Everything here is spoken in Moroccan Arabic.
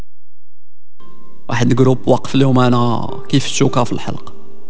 واحد جروب وقتلهم انا كيف الشوكه في الحلق